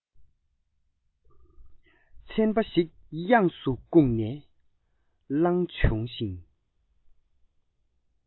ཚན པ ཞིག དབྱངས སུ བཀུག ནས བླངས བྱུང ཞིང